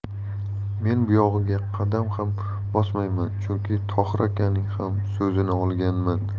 men buyog'iga qadam ham bosmayman chunki tohir akaning ham so'zini olganman